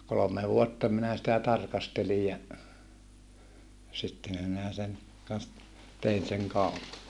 kolme vuotta minä sitä tarkastelin ja sittenhän minä sen kanssa - tein sen kaupan